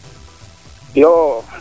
iyoo